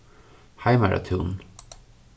heimaratún